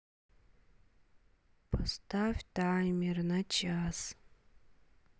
поставь таймер на час